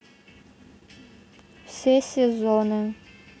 все сезоны